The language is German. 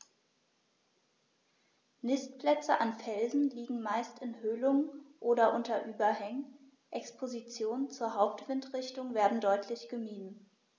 Nistplätze an Felsen liegen meist in Höhlungen oder unter Überhängen, Expositionen zur Hauptwindrichtung werden deutlich gemieden.